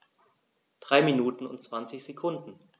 3 Minuten und 20 Sekunden